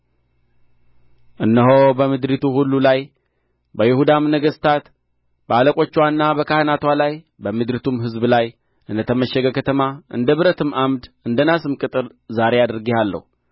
እነሆ በምድሪቱ ሁሉ ላይ በይሁዳም ነገሥታት በአለቆችዋና በካህናትዋ ላይ በምድሪቱም ሕዝብ ላይ እንደ ተመሸገ ከተማ እንደ ብረትም ዓምድ እንደ ናስም ቅጥር ዛሬ አድርጌሃለሁ